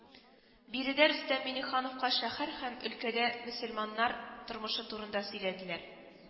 Биредә Рөстәм Миңнехановка шәһәр һәм өлкәдә мөселманнар тормышы турында сөйләделәр